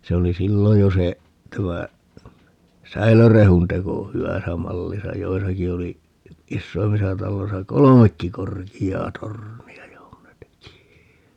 se oli silloin jo se tämä säilörehun teko hyvässä mallissa joissakin oli isoimmissa taloissa kolmekin korkeaa tornia johon ne teki